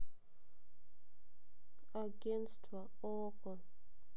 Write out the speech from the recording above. агентство око